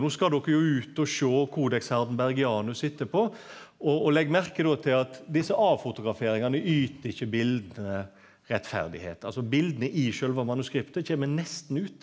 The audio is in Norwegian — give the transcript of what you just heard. no skal dokker jo ut å sjå Codex Hardenbergianus etterpå og og legg merke då til at desse avfotograferingane yt ikkje bilda rettferd, altså bilda i sjølve manuskriptet kjem nesten ut.